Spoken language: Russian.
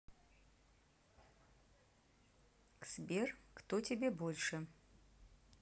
сбер кто тебе больше